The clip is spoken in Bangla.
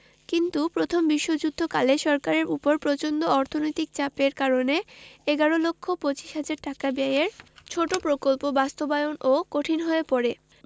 কিন্তু প্রথম বিশ্বযুদ্ধকালে সরকারের ওপর প্রচন্ড অর্থনৈতিক চাপের কারণে এগারো লক্ষ পচিশ হাজার টাকা ব্যয়ের ছোট প্রকল্প বাস্তবায়নও কঠিন হয়ে পড়ে